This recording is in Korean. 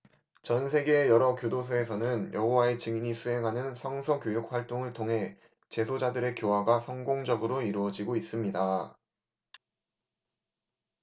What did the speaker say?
전 세계의 여러 교도소에서는 여호와의 증인이 수행하는 성서 교육 활동을 통해 재소자들의 교화가 성공적으로 이루어지고 있습니다